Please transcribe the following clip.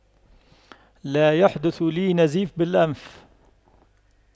لا يحدث لي نزيف بالأنف